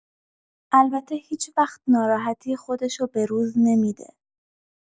البته هیچوقت ناراحتی خودشو بروز نمی‌ده.